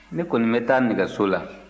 ne kɔni bɛ taa nɛgɛso la